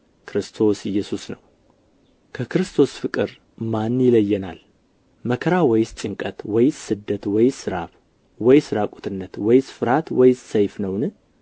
ክርስቶስ ኢየሱስ ነው ከክርስቶስ ፍቅር ማን ይለየናል መከራ ወይስ ጭንቀት ወይስ ስደት ወይስ ራብ ወይስ ራቁትነት ወይስ ፍርሃት ወይስ ሰይፍ ነውን